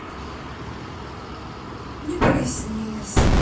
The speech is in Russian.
не прояснилось